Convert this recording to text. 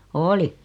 oli